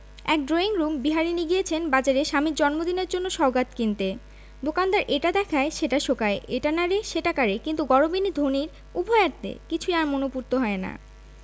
এক ড্রইংরুম বিহারীণী গিয়েছেন বাজারে স্বামীর জন্মদিনের জন্য সওগাত কিনতে দোকানদার এটা দেখায় সেটা শোঁকায় এটা নাড়ে সেটা কাড়ে কিন্তু গরবিনী ধনীর উভয়ার্থে কিছুই আর মনঃপূত হয় না